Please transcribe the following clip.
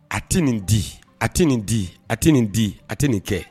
A tɛ nin di a tɛ nin di a tɛ nin di a tɛ nin kɛ